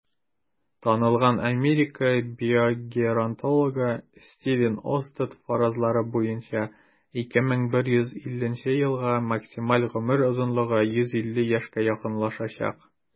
Танылган Америка биогеронтологы Стивен Остад фаразлары буенча, 2150 елга максималь гомер озынлыгы 150 яшькә якынлашачак.